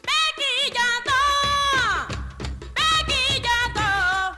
M' ka ta' ka ta